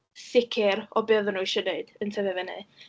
sicr o be oedden nhw isio wneud yn tyfu fyny.